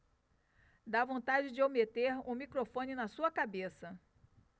dá vontade de eu meter o microfone na sua cabeça